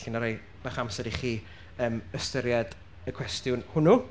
Felly, wna i roi bach o amser i chi ystyried y cwestiwn hwnnw.